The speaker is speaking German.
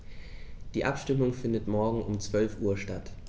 Die Abstimmung findet morgen um 12.00 Uhr statt.